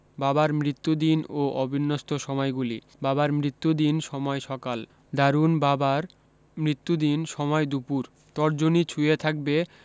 বাবার মৃত্যুদিন ও অবিন্যস্ত সময়গুলি বাবার মৃত্যুদিন সময় সকাল দারুণ বাবার মৃত্যুদিন সময় দুপুর তর্জনী ছুঁয়ে থাকবে